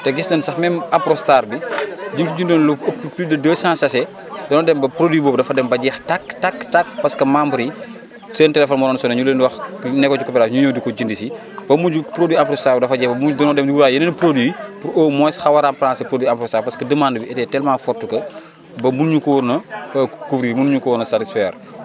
te gis nañ sax même Apronstar bi ji ji nañ lu ëpp plus de 200 sachets dañoo dem ba produit boobu dafa dem ba jeex tàkk tàkk tàkk parce que membre yi seen téléphone moo doon sonné ñu leen di wax nekkoo ci coopérative bi ñu ñëw di ko jënd si ba mujj produit Apronstar bi dafa jeex ba mu dañoo dem wutiwaat yeneen produit pour au moins xaw a remplacé produit Apronstar parce que demande bi était tellement forte que ba munuñu ko woon a couvrir munuñu ko woon a satisfaire